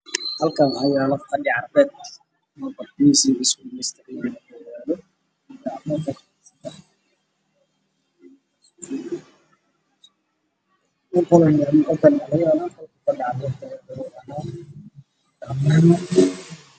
Halkaan waxaa yaalo oo ka muuqda fadha carbeed oo meydkiisu yahay midooday cadeys kuna jiraan qol